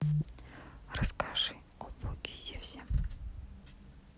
расскажи о боге зевсе